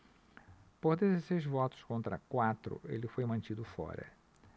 por dezesseis votos contra quatro ele foi mantido fora